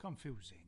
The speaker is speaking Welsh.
Confusing.